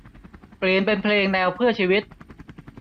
เปลี่ยนเป็นเพลงแนวเพื่อชีวิต